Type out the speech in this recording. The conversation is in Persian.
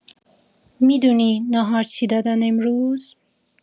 می‌دونی ناهار چی دادن امروز؟